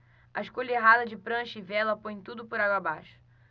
a escolha errada de prancha e vela põe tudo por água abaixo